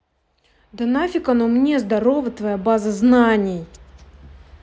да нафиг оно мне здарова твоя база знаний